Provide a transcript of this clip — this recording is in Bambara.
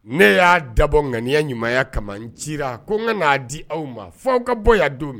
Ne y'a dabɔ ŋaniya ɲumanya ka ci ko n ka n'a di aw ma fɔ aw ka bɔ don min